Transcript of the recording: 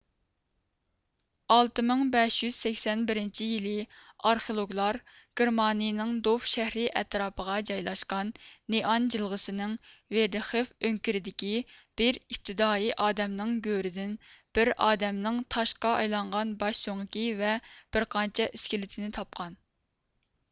ئالتە مىڭ بەش يۈز سەكسەن بىرىنچى يىلى ئارخېئولوگلار گېرمانىيىنىڭ دوف شەھىرى ئەتراپىغا جايلاشقان نېئان جىلغىسىنىڭ ۋىردىخىف ئۆڭكۈرىدىكى بىر ئىپتىدائىي ئادەمنىڭ گۆرىدىن بىر ئادەمنىڭ تاشقا ئايلانغان باش سۆڭىكى ۋە بىرقانچە ئىسكىلىتىنى تاپقان